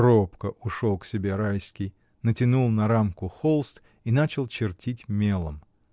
Робко ушел к себе Райский, натянул на рамку холст и начал чертить мелом.